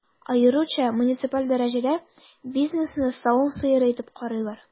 Аеруча муниципаль дәрәҗәдә бизнесны савым сыеры итеп карыйлар.